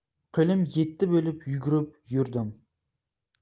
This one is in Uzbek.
qo'lim yetti bo'lib yugurib yurdim